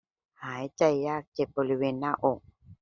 หายใจยากเจ็บบริเวณหน้าอก